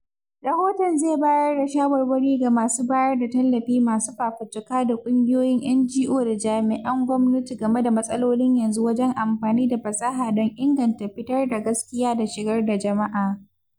Rahoton zai bayar da shawarwari ga masu bayar da tallafi da masu fafutuka da ƙungiyoyin NGO da jami’an gwamnati game da matsalolin yanzu wajen amfani da fasaha don inganta fitar da gaskiya da shigar da jama’a.